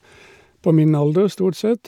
På min alder, stort sett.